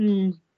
Hmm.